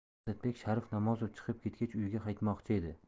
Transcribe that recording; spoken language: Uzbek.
asadbek sharif namozov chiqib ketgach uyiga qaytmoqchi edi